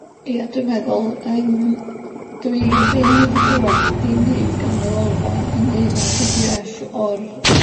Ie dwi'n meddwl yym dwi ddim wedi clwad dim byd gan y Lolfa ynglŷn â Pee Dee Eff o'r